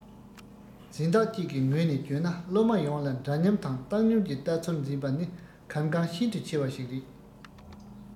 འཛིན བདག ཅིག གི ངོས ནས བརྗོད ན སློབ མ ཡོངས ལ འདྲ མཉམ དང བཏང སྙོམས ཀྱི ལྟ ཚུལ འཛིན པ ནི གལ འགངས ཤིན ཏུ ཆེ བ ཞིག རེད